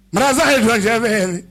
Masa yeuracɛ bɛ